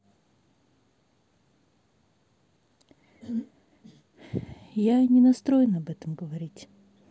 я не настроена об этом говорить